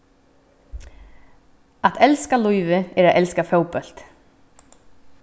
at elska lívið er at elska fótbólt